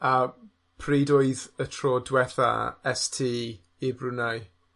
A pryd oedd y tro diwetha es ti i Brunei?